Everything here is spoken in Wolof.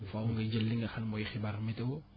faaw ngay jël li nga xam mooy xibaar météo